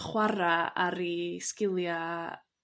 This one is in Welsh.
chwara' ar 'u sgilia' a